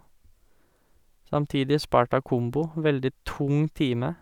Samtidig, Sparta Combo, veldig tung time.